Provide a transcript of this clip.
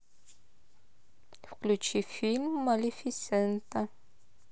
включи фильм малефисента